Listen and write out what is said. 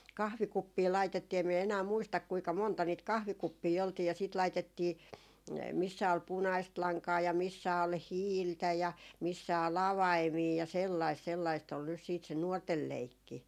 kahvikuppeja laitettiin en minä enää muista kuinka monta niitä kahvikuppeja oltiin ja sitten laitettiin missä oli punaista lankaa ja missä oli hiiltä ja missä oli avaimia ja sellaista sellaista oli nyt sitten se nuorten leikki